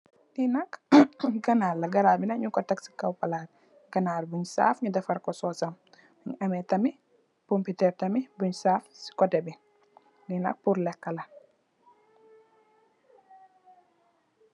Linak ganarla, ganarbi nak nyunko tek si kaw palat, ganar bunj saff nyungii ko defal ko sosam ak pompiterr bunj saff, linak purr lekala.